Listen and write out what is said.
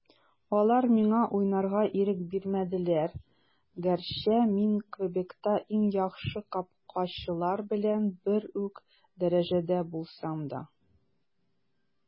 Алар миңа уйнарга ирек бирмәделәр, гәрчә мин Квебекта иң яхшы капкачылар белән бер үк дәрәҗәдә булсам да.